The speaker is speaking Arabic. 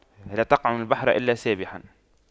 لا تقعن البحر إلا سابحا